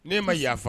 Ne ma yafafa